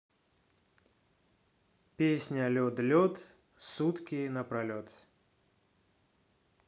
песня лед лед сутки напролет